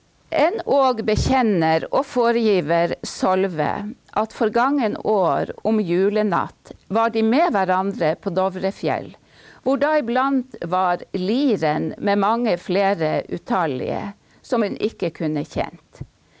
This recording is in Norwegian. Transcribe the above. enn og bekjenner og foregir Solveig at forgangen år om julenatt var de med hverandre på Dovrefjell, hvor da iblant var liren med mange flere utallige, som hun ikke kunne kjent.